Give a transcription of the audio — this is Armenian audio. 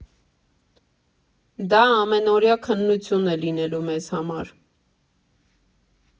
Դա ամենօրյա քննություն է լինելու մեզ համար։